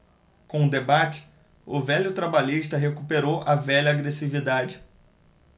com o debate o velho trabalhista recuperou a velha agressividade